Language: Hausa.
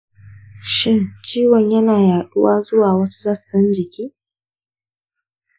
shin ciwon yana yaɗuwa zuwa wasu sassan jiki?